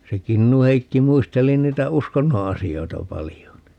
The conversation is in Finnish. se Kinnu-Heikki muisteli niitä uskonnon asioita paljon niin